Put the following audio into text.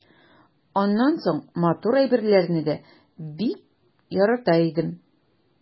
Аннан соң матур әйберләрне дә бик ярата идем.